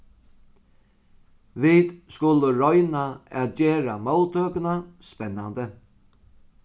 vit skulu royna at gera móttøkuna spennandi